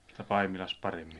että Paimilassa paremmin